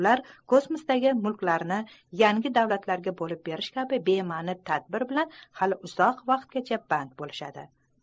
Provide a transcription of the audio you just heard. ular kosmosdagi mulklarni yangi davlatlarga bo'lib berish kabi be'mani tadbir bilan hali uzoq vaqtgacha band bo'lishadi